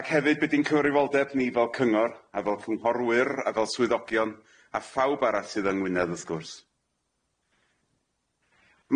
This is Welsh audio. Ac hefyd be' di'n cyfrifoldeb ni fel cyngor a fel cynghorwyr a fel swyddogion a phawb arall sydd yng Ngwynedd wrth gwrs.